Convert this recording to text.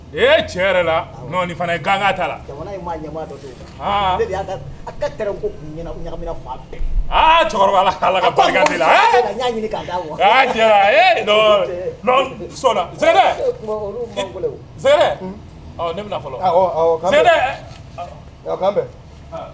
E cɛ yɛrɛ la cɛkɔrɔba ne